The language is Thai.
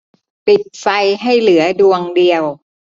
ปิดไฟให้เหลือดวงเดียว